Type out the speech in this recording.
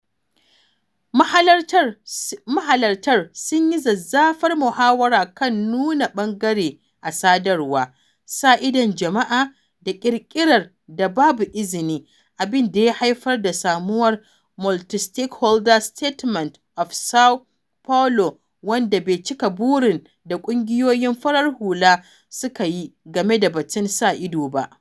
Mahalarta sun yi zazzafar muhawara kan nuna ɓangare a sadarwa, sa idon jama'a, da ƙirƙirar da “babu izini”, abinda ya haifar da samuwar Multistakeholder Statement of Sao Paulo, wanda bai cika burin da ƙungiyoyin farar hula suka yi game da batun sa ido ba.